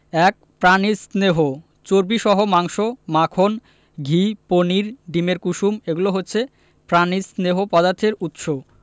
১. প্রাণিজ স্নেহ চর্বিসহ মাংস মাখন ঘি পনির ডিমের কুসুম এগুলো হচ্ছে প্রাণিজ স্নেহ পদার্থের উৎস